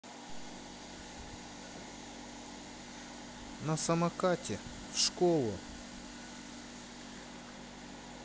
на самокате в школу